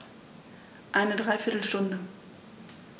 Eine dreiviertel Stunde